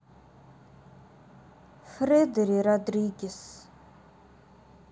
фредди родригес